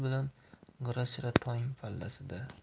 bilan g'ira shira tong pallasida